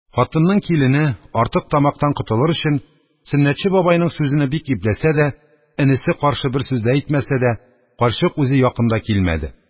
Хатынның килене, артык тамактан котылыр өчен, Сөннәтче бабайның сүзене бик ипләсә дә, энесе каршы бер сүз дә әйтмәсә дә, карчык үзе якын да килмәде.